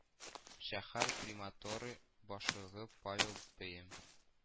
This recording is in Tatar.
Шәһәр приматоры башлыгы Павел Бем